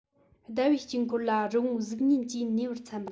ཟླ བའི དཀྱིལ འཁོར ལ རི བོང གཟུགས བརྙན གྱིས ཉེ བར མཚན པ